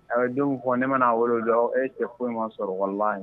Ɛɛ denw fɔ ne manaa wolo dɔn e cɛ koɲuman sɔrɔ walala ye